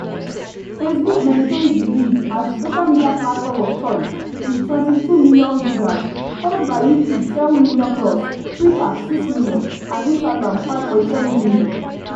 Facebook maintains the lead as the social media platform of choice with 22 million users, followed by YouTube (7 million+), Twitter (6 million) and Instagram (5.7 million).